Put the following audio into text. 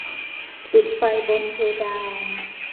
ปิดไฟบนเพดาน